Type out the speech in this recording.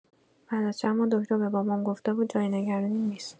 بعد از چند ماه دکتر به بابام گفته بود جای نگرانی نیست.